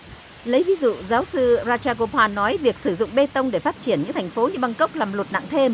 lấy ví dụ giáo sư ra cha cô phan nói việc sử dụng bê tông để phát triển những thành phố băng cốc làm lụt nặng thêm